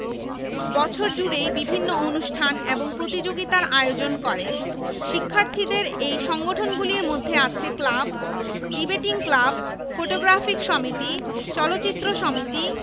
বছর জুড়েই বিভিন্ন অনুষ্ঠান এবং প্রতিযোগিতার আয়োজন করে শিক্ষার্থীদের এই সংগঠনগুলির মধ্যে আছে ক্লাব ডিবেটিং ক্লাব ফটোগ্রাফিক সমিতি চলচ্চিত্র সমিতি